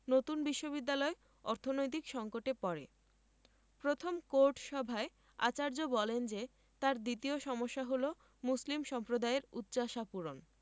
নতুন বিশ্ববিদ্যালয় অর্থনৈতিক সংকটে পড়ে প্রথম কোর্ট সভায় আচার্য বলেন যে তাঁর দ্বিতীয় সমস্যা হলো মুসলিম সম্প্রদায়ের উচ্চাশা পূরণ